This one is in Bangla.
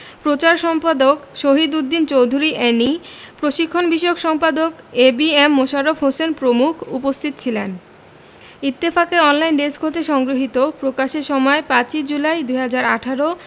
প্রচার সম্পাদক শহীদ উদ্দিন চৌধুরী এ্যানি প্রশিক্ষণ বিষয়ক সম্পাদক A B M Mosharraf Hossain প্রমুখ উপস্থিত ছিলেন ইত্তেফাকের অনলাইন ডেস্ক হতে সংগৃহীত প্রকাশের সময় ৫ ই জুলাই ২০১৮